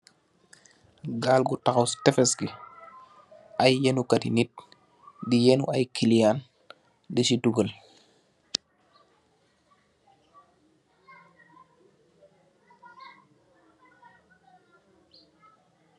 Gaal gu takhaw si tefes gi, aye yenu kati nit, di yenu aye kiliyaan disi dugeaul.